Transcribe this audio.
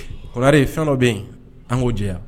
Konare fɛn dɔ be ye an k'o jɛya